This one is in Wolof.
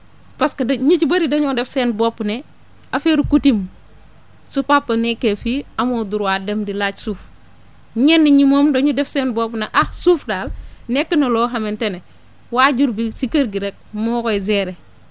parce que dañ ñu ci bëri dañoo def seen bopp ne afaire coutume su papa nekkee fii amoo droit dem di laaj suuf ñenn ñi moom dañu def seen bopp ne ah suuf daal nekk na loo xamante ne waajur bi si kër gi rek moo koy gérer